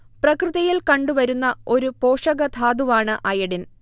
പ്രകൃതിയിൽ കണ്ടു വരുന്ന ഒരു പോഷകധാതുവാണ് അയഡിൻ